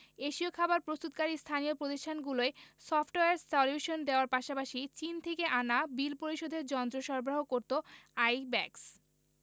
এশীয় খাবার প্রস্তুতকারী স্থানীয় প্রতিষ্ঠানগুলোয় সফটওয়্যার সলিউশন দেওয়ার পাশাপাশি চীন থেকে আনা বিল পরিশোধের যন্ত্র সরবরাহ করত আইব্যাকস